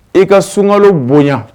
I ka sunkalo bonya